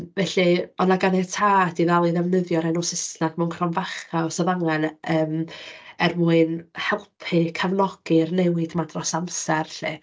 Felly, o' 'na ganiatâd i ddal i ddefnyddio'r enw Saesneg mewn cromfacha os o'dd angen, yym er mwyn helpu cefnogi'r newid 'ma dros amser 'lly.